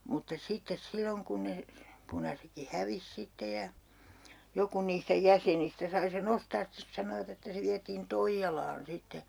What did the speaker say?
mutta sitten silloin kun ne punaisetkin hävisi sitten ja joku niistä jäsenistä sai sen ostaa sitten sanoivat että se vietiin Toijalaan sitten